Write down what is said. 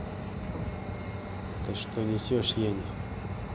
ты что несешь янь